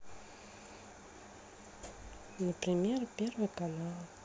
например первый канал